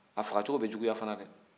a faga cogo bɛ juguya fɛnɛ dɛ